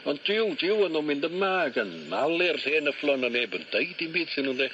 Ond jiw jiw o'n nw'n mynd yma ag yn malu'r lle'n yfflon a neb yn deud dim byd 'thyn nw nde?